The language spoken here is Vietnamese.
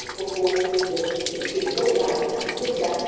để phục vụ việc giữ gìn lâu dài nguyên trang